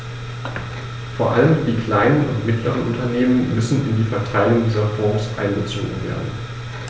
Vor allem die kleinen und mittleren Unternehmer müssen in die Verteilung dieser Fonds einbezogen werden.